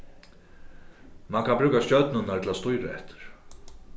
mann kann brúka stjørnurnar til at stýra eftir